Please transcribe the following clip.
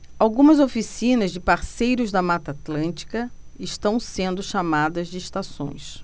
algumas oficinas de parceiros da mata atlântica estão sendo chamadas de estações